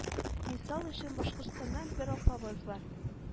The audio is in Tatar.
Мисал өчен башкортстаннан бер апабыз бар